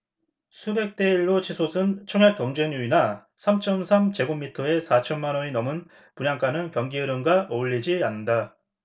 수백 대 일 로 치솟은 청약 경쟁률이나 삼 쩜 삼 제곱미터에 사천 만원이 넘은 분양가는 경기흐름과 어울리지 않는다